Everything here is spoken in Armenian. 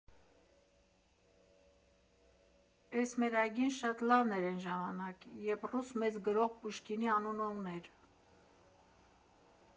Էս մեր այգին շատ լավն էր էն ժամանակ, երբ ռուս մեծ գրող Պուշկինի անունը ուներ։